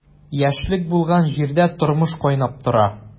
Яшьлек булган җирдә тормыш кайнап тора.